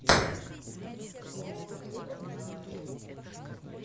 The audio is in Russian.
приколы поржать